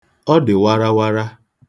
Ọ dị warawara.